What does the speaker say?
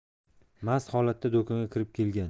mast holatda do'konga kirib kelgan